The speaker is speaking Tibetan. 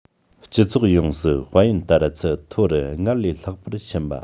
སྤྱི ཚོགས ཡོངས སུ དཔལ ཡོན དར ཚད ཐོ རུ སྔར ལས ལྷག པར ཕྱིན པ